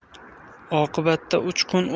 oqibatda uchqun